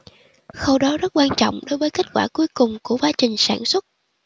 khâu đó rất quan trọng đối với kết quả cuối cùng của quá trình sản xuất